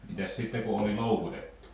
mitäs sitten kun oli loukutettu